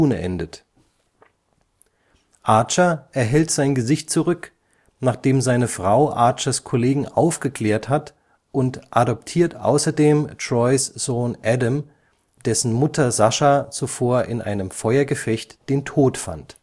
endet. Archer erhält sein Gesicht zurück, nachdem seine Frau Archers Kollegen aufgeklärt hat, und adoptiert außerdem Troys Sohn Adam, dessen Mutter Sasha zuvor in einem Feuergefecht den Tod fand